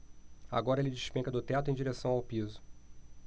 agora ele despenca do teto em direção ao piso